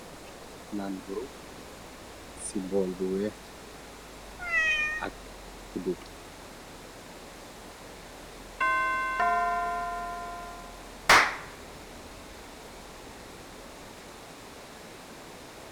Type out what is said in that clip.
Nanburu cii borl bu wekh ak kudu.